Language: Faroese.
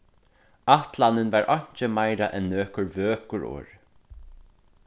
ætlanin var einki meira enn nøkur vøkur orð